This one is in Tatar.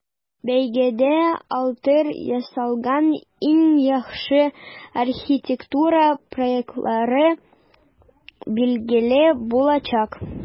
Бәйгедә былтыр ясалган иң яхшы архитектура проектлары билгеле булачак.